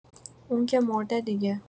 اون که مرده دیگه!